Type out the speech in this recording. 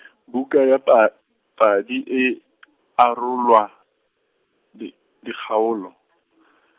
buka ya pa- padi e , arolwa, di- dikgaolo .